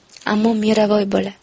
ammo mera voy bola